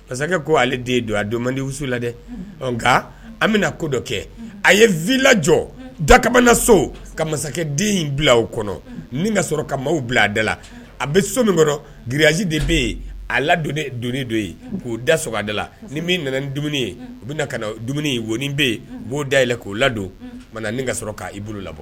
Masakɛ ko ale den don a don mandisu la dɛ nka an bɛna ko dɔ kɛ a ye vlajɔ dakamanana so ka masakɛ den in bila a kɔnɔ ni ka sɔrɔ ka maaw bila ada la a bɛ so min kɔnɔ garisi de bɛ yen a ladon don dɔ yen k'o da sɔrɔ a dala la ni min nana ni dumuni u bɛ ka dumuni win bɛ yen u b'o dayɛlɛn k'o ladon ma ni ka k' i bolo labɔ